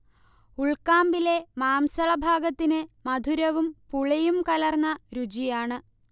ഉൾക്കാമ്പിലെ മാംസളഭാഗത്തിന് മധുരവും പുളിയും കലർന്ന രുചിയാണ്